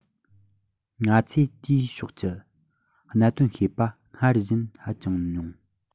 ང ཚོས དེའི ཕྱོགས ཀྱི གནད དོན ཤེས པ སྔར བཞིན ཧ ཅང ཉུང